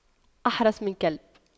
أحرس من كلب